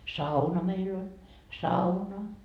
sauna meillä oli sauna